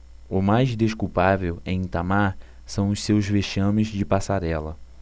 o mais desculpável em itamar são os seus vexames de passarela